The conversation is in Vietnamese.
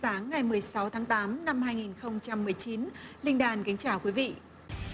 sáng ngày mười sáu tháng tám năm hai nghìn không trăm mười chín linh đan kính chào quý vị